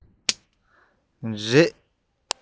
རེད